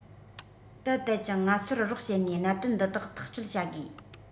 དལ དལ ཀྱང ང ཚོར རོགས བྱེད ནས གནད དོན འདི དག ཐག གཅོད བྱ དགོས